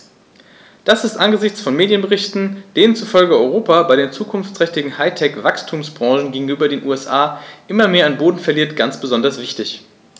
Das ist angesichts von Medienberichten, denen zufolge Europa bei den zukunftsträchtigen High-Tech-Wachstumsbranchen gegenüber den USA immer mehr an Boden verliert, ganz besonders wichtig.